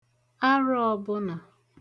arọ̀ ọ̀bụnà